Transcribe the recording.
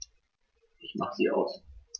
Ich mache sie aus.